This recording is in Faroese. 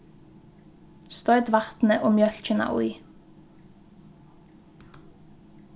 stoyt vatnið og mjólkina í